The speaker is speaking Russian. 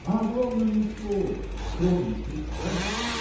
а о главном ни слова – скромность некстати.